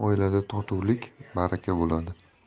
bo'lar ekan oilada totuvlik baraka bo'ladi